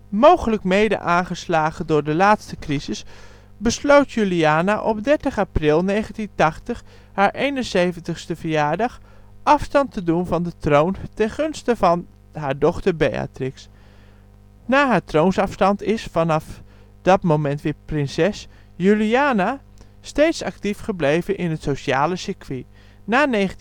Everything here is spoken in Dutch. Mogelijk mede aangeslagen door deze laatste crisis besloot Juliana op 30 april 1980, haar 71-ste verjaardag, afstand te doen van de troon ten gunste van haar dochter Beatrix. Na haar troonsafstand is (vanaf dat moment weer prinses) Juliana steeds actief gebleven in het sociale circuit. Na 1995